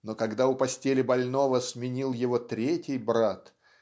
но когда у постели больного сменил его третий брат